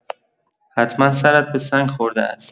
حتما سرت به سنگ خورده است!